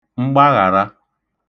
mgbaghàra